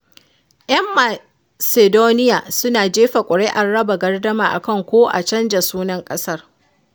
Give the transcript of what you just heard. ‘Yan Macedonia suna jefa kuri’ar raba gardama a kan ko a canza sunan ƙasar